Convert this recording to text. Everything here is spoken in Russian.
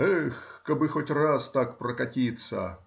Эх, кабы хоть раз так прокатиться!